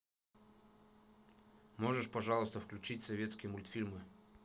можешь пожалуйста включить советские мультфильмы